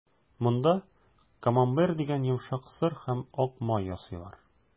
Монда «Камамбер» дигән йомшак сыр һәм ак май ясыйлар.